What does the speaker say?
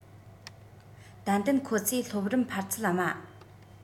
ཏན ཏན ཁོ ཚོས སློབ རིམ འཕར ཚད དམའ